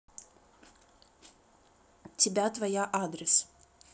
тебе твоя адрес